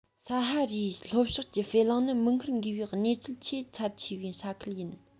ས ཧ རའི ལྷོ ཕྱོགས ཀྱི ཧྥེ གླིང ནི མིག སྔར འགོས པའི གནས ཚུལ ཆེས ཚབས ཆེ བའི ས ཁུལ ཡིན